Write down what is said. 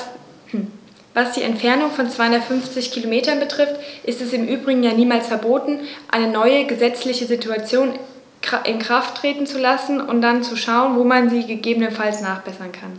Was die Entfernung von 250 Kilometern betrifft, ist es im Übrigen ja niemals verboten, eine neue gesetzliche Situation in Kraft treten zu lassen und dann zu schauen, wo man sie gegebenenfalls nachbessern kann.